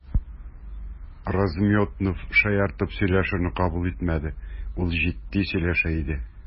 Размётнов шаяртып сөйләшүне кабул итмәде, ул җитди сөйләшә иде.